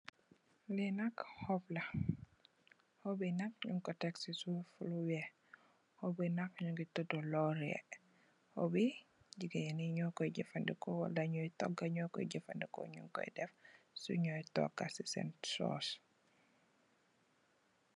Li nak xoop la xoopi nyun ko tek si suuf lu weex xoopi nak mogi tuda loriya xoopi jigeen yi nyu koi jefendeko de nyoi toga nyo koi jefandeko nyu koi def si nyi toga seni soos.